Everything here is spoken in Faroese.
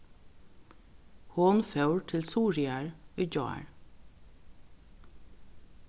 hon fór til suðuroyar í gjár